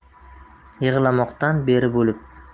yig'lamoqdan beri bo'lib